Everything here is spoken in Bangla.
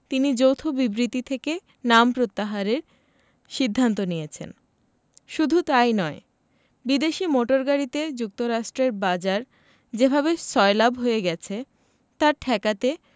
তিনি যৌথ বিবৃতি থেকে নাম প্রত্যাহারের সিদ্ধান্ত নিয়েছেন শুধু তা ই নয় বিদেশি মোটর গাড়িতে যুক্তরাষ্ট্রের বাজার যেভাবে সয়লাব হয়ে গেছে তা ঠেকাতে